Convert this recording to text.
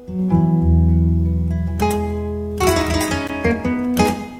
Sanunɛ